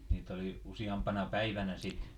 niitä oli useampana päivänä sitten